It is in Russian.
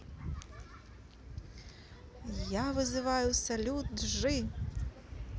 я вызываю салют джи